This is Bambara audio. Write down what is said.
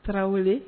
Tarawele